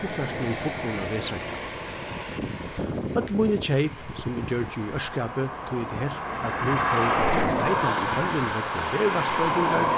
kuffertinum fullum at vetrarklæðum øll míni keyp sum eg gjørdi í ørskapi tí at eg helt at nú fór at gerast heitari í føroyum vegna veðurlagsbroytingar